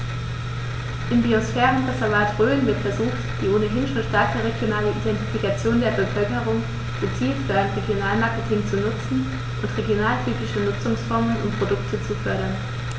Im Biosphärenreservat Rhön wird versucht, die ohnehin schon starke regionale Identifikation der Bevölkerung gezielt für ein Regionalmarketing zu nutzen und regionaltypische Nutzungsformen und Produkte zu fördern.